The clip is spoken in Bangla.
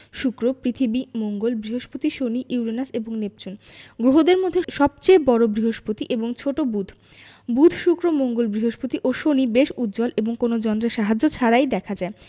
শুক্র পৃথিবী মঙ্গল বৃহস্পতি শনি ইউরেনাস এবং নেপচুন গ্রহদের মধ্যে সবচেয়ে বড় বৃহস্পতি এবং ছোট বুধ বুধ শুক্র মঙ্গল বৃহস্পতি ও শনি বেশ উজ্জ্বল এবং কোনো যন্ত্রের সাহায্য ছাড়াই দেখা যায়